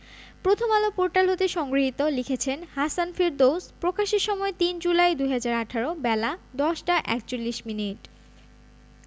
Prothom Alo portal হতে সংগৃহীত লিখেছেন হাসান ফেরদৌস প্রকাশের সময় ৩ জুলাই ২০১৮ বেলা ১০টা ৪১মিনিট